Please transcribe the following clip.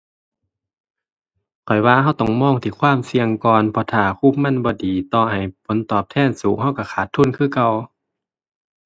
ข้อยว่าเราต้องมองที่ความเสี่ยงก่อน เพราะถ้าคุมมันบ่ดี ต่อให้ผลตอบแทนสูงเราเราขาดทุนคือเก่า